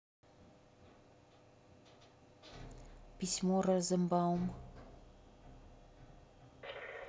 письмо розенбаум